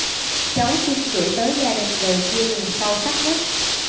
cháu xin gửi tới gia đình lời chia buồn sâu sắc nhất